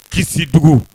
Kisi dugu